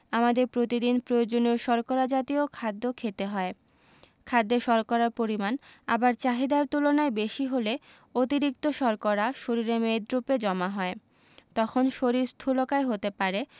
আমাদের প্রতিদিন প্রয়োজনীয় শর্করা জাতীয় খাদ্য খেতে হয় খাদ্যে শর্করার পরিমাণ আবার চাহিদার তুলনায় বেশি হলে অতিরিক্ত শর্করা শরীরে মেদরুপে জমা হয় তখন শরীর স্থুলকায় হতে পারে